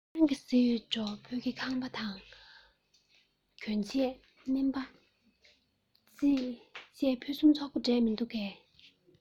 ཁྱེད རང གིས གཟིགས ཡོད འགྲོ བོད ཀྱི ཁང པ དང གྱོན ཆས བོད ཀྱི སྨན དང རྩིས ཚང མ ཕུན སུམ ཚོགས པོ འདྲས མི འདུག གས